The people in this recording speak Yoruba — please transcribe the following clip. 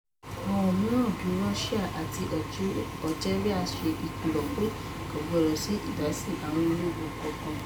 Àwọn mìíràn, bíi Russia àti Algeria, ṣe ìkìlọ̀ pé kò gbọdọ̀ sí ìdásí àwọn ológun kankan.